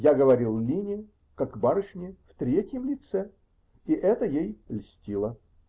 Я говорил Лине, как барышне, в третьем лице, и это ей льстило.